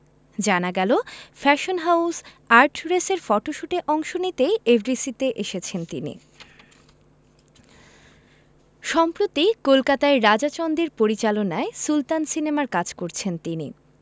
জানা গেল fashion house আর্টরেসের ফটশুটে অংশ নিতেই এফডিসিতে এসেছেন তিনি সম্প্রতি কলকাতায় রাজা চন্দের পরিচালনায় সুলতান সিনেমার কাজ করেছেন তিনি